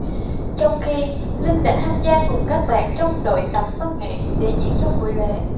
trong khi linh đã tham gia cùng các bạn trong đội tập văn nghệ để diễn trong buổi lễ